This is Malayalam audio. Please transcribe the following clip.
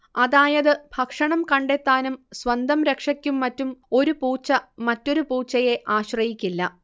അതായത് ഭക്ഷണം കണ്ടെത്താനും സ്വന്തം രക്ഷയ്ക്കും മറ്റും ഒരു പൂച്ച മറ്റൊരു പൂച്ചയെ ആശ്രയിക്കില്ല